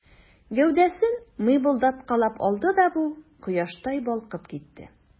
Гәүдәсен мыймылдаткалап алды да бу, кояштай балкып китте.